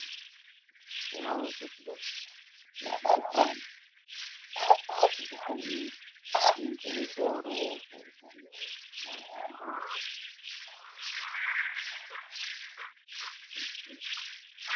Labo gabdho sadexdanin noinka uguso horeyo waxa uu qabaa fananad cadan